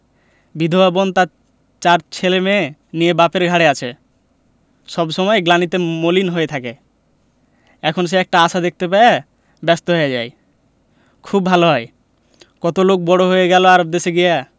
বিধবা বোন চার ছেলেমেয়ে নিয়ে বাপের ঘাড়ে আছে সব সময় গ্লানিতে মলিন হয়ে থাকে এখন সে একটা আশা দেখতে পেয়ে ব্যস্ত হয়ে যায় খুব ভালো হয় কত লোক বড়লোক হয়ে গেল আরব দেশে গিয়া